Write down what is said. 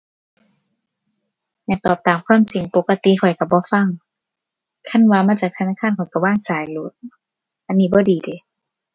อยากตอบตามความจริง ปกติข้อยก็บ่ฟัง คันว่ามาจากธนาคารข้อยก็วางสายโลด อันนี้บ่ดีเดะ